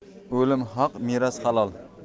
o'lim haq meros halol